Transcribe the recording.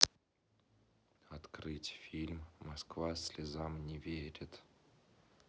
открыть фильм москва слезам не верит